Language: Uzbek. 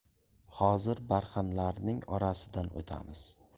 hozir barxanlarning orasidan o'tamiz